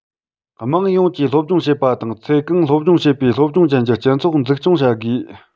དམངས ཡོངས ཀྱིས སློབ སྦྱོང བྱེད པ དང ཚེ གང སློབ སྦྱོང བྱེད པའི སློབ སྦྱོང ཅན གྱི སྤྱི ཚོགས འཛུགས སྐྱོང བྱ དགོས